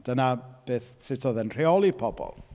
Dyna beth, sut odd e'n rheoli pobl.